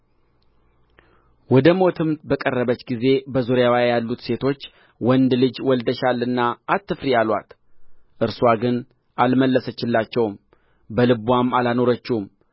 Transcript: ወደሞትም በቀረበች ጊዜ በዙሪያዋ ያሉት ሴቶች ወንድ ልጅ ወልደሻልና አትፍሪ አሉአት እርስዋ ግን አልመለሰችላቸውም በልብዋም አላኖረችውም